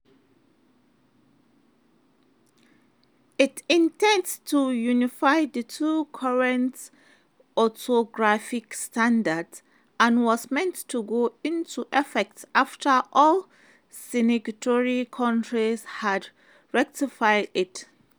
It intends to unify the two current orthographic standards and was meant to go into effect after all signatory countries had ratified it.